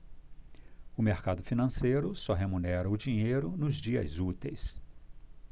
o mercado financeiro só remunera o dinheiro nos dias úteis